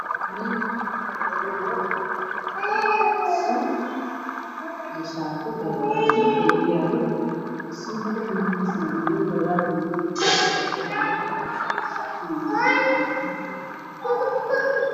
Waa niman meel fadhiyo waxaa ii muuqda nin wata suud madow shaati cadaan kuraasta ay ku fadhiyaan waa guduud